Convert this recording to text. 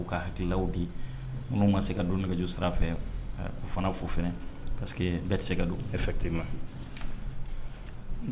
U ka hakililaw di, minnu ma se ka don nɛgɛjuru sira fɛ k'u fana fo parce bɛɛ tɛ se ka don effecivement